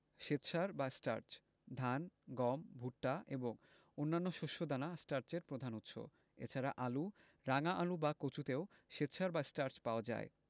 শ্বেতসার বা স্টার্চ ধান গম ভুট্টা এবং অন্যান্য শস্য দানা স্টার্চের প্রধান উৎস এছাড়া আলু রাঙা আলু বা কচুতেও শ্বেতসার বা স্টার্চ পাওয়া যায়